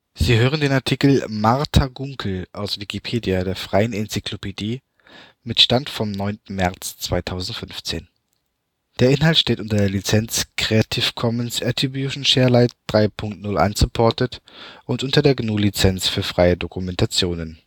Sie hören den Artikel Martha Gunkel, aus Wikipedia, der freien Enzyklopädie. Mit dem Stand vom Der Inhalt steht unter der Lizenz Creative Commons Attribution Share Alike 3 Punkt 0 Unported und unter der GNU Lizenz für freie Dokumentation